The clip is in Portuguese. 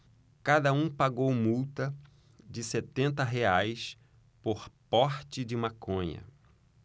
cada um pagou multa de setenta reais por porte de maconha